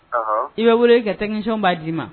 I bɛ wele ka tɛc b'a d'i ma